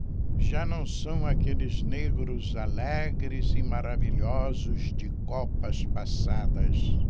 já não são aqueles negros alegres e maravilhosos de copas passadas